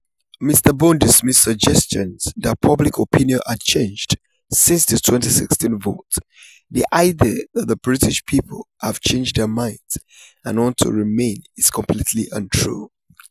Mr Bone dismissed suggestions that public opinion had changed since the 2016 vote: 'The idea that the British people have changed their minds and want to remain is completely untrue.'